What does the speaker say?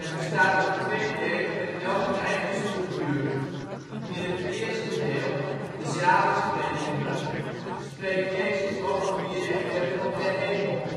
bestaat uit twee delen met elk een eigen structuur. In het eerste deel (zaligsprekingen) spreekt Jezus over wie recht hebben op de hemel